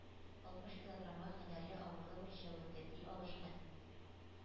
Алтмыш килограммга кадәрге авырлык үлчәвендә бил алышкан